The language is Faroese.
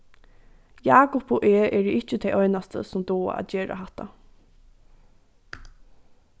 jákup og eg eru ikki tey einastu sum duga at gera hatta